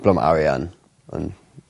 Ble ma' arian yn